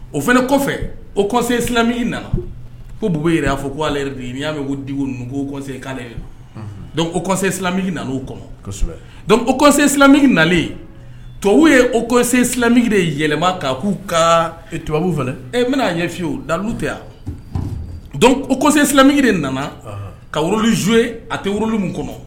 O fana kɔfɛ o kɔsem na ko b jira' fɔ ko y'a mɛn ko kɔ k'ale dɔnku o kɔsem na kɔnɔ dɔnku o kɔsem nalen tubabu ye o kɔse silamɛm de yɛlɛma k'a k'u ka tubabubu fɛ n bɛna'a ɲɛye dalu tɛ yan dɔnku o kɔsein de nana ka wulu zzo ye a tɛ wulu min kɔnɔ